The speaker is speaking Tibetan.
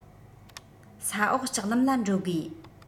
ས འོག ལྕགས ལམ ལ འགྲོ དགོས